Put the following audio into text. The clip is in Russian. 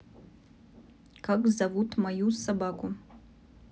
как зовут мою собаку